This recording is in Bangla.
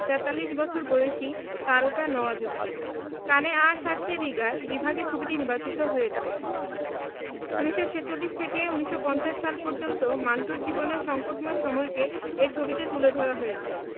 ৪৩ বছর বয়সী তারকা নওয়াজুদ্দিন কানে আঁ সারতে রিগার বিভাগে ছবিটি নির্বাচিত হয়েছে ১৯৪৬ থেকে ১৯৫০ সাল পর্যন্ত মান্টোর জীবনের সংকটময় সময়কে এ ছবিতে তুলে ধরা হয়েছে